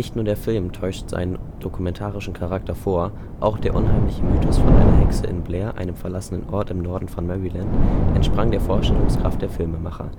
nur der Film täuscht seinen dokumentarischen Charakter vor, auch der unheimliche Mythos von einer Hexe in Blair, einem verlassenen Ort im Norden von Maryland, entsprang der Vorstellungskraft der Filmemacher